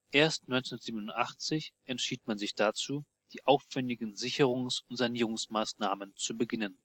Erst 1987 entschied man sich dazu, die aufwendigen Sicherungs - und Sanierungsmaßnahmen zu beginnen